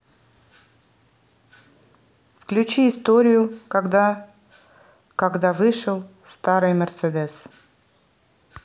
включи историю когда когда вышел старый мерседес